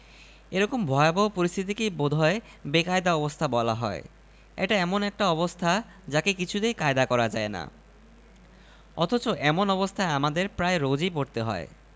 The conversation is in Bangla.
এরকম ভয়াবহ পরিস্থিতিকেই বোধ হয় বেকায়দা অবস্থা বলা হয় এটা এমন একটা অবস্থা যাকে কিছুতেই কায়দা করা যায় না অথচ এমন অবস্থায় অমিদের প্রায় রোজই পড়তে হয়